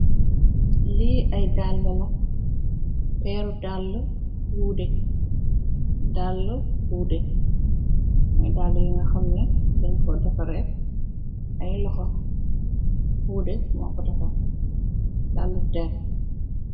Lii ay daale la, peeru daale hude, daale hude, moy daale yuge xamne deej ko dafare ay loxo, hude moko defaar, daale derr